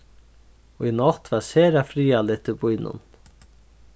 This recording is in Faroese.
í nátt var sera friðarligt í býnum